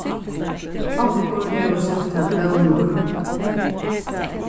onkur hevur sent tær blómur